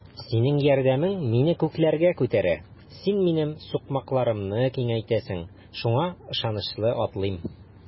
Синең ярдәмең мине күкләргә күтәрә, син минем сукмакларымны киңәйтәсең, шуңа ышанычлы атлыйм.